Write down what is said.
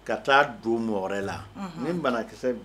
Wɛrɛ